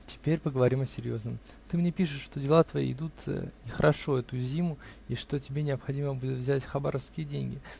Теперь поговорим о серьезном: ты мне пишешь, что дела твои идут нехорошо эту зиму и что тебе необходимо будет взять хабаровские деньги.